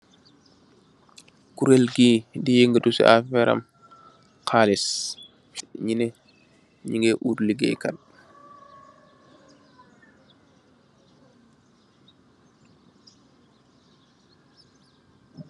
Kureelgi di yengatu si afeeram xaliis, nyune nyi ge oot ligaykaat